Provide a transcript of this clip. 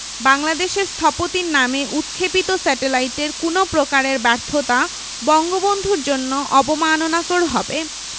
বাংলাদেশের স্থপতির নামে উৎক্ষেপিত স্যাটেলাইটের কোনো প্রকারের ব্যর্থতা বঙ্গবন্ধুর জন্য অবমাননাকর হবে